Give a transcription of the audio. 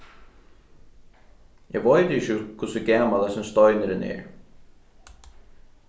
eg veit ikki hvussu gamal hasin steinurin er